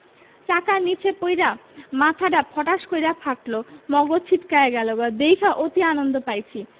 চাকার নিচে পইড়া মাথাডা ফটাস কইরা ফাটলো মগজ ছিটকায়া গেলোগা দেইখা অতি আনন্দ পাইছি